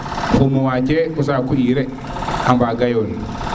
fo moitié o saku ire a mbaga yoon